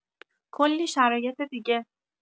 کلی شرایط دیگه